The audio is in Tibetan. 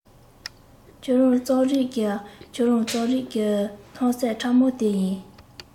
ཁྱོད རང རྩོམ རིག གི ཁྱོད རང རྩོམ རིག གི ཐག ཟམ ཕྲ མོ དེ ཡིན